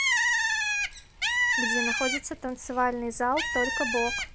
где находится танцевальный зал только бок